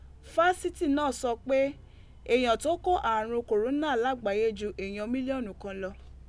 Fásitì náà sọ pé, èèyàn tó kó ààrùn kòrónà lágbáyé ju eeyan mílíọ́ọ̀nù kan lọ.